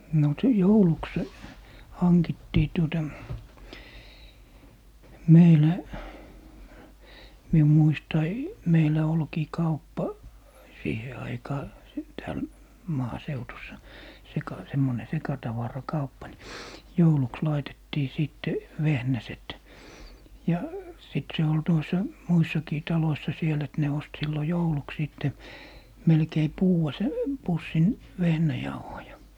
no - jouluksi hankittiin tuota meillä minun muistaen meillä olikin kauppa siihen aikaan - täällä maaseudussa - semmoinen sekatavarakauppa niin jouluksi laitettiin sitten vehnäset ja sitten se oli tuossa muissakin taloissa siellä että ne osti silloin jouluksi sitten melkein puudan - pussin vehnäjauhoja